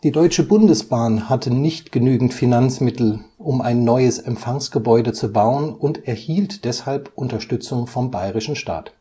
Deutsche Bundesbahn hatte nicht genügend Finanzmittel, um ein neues Empfangsgebäude zu bauen und erhielt deshalb Unterstützung vom bayerischen Staat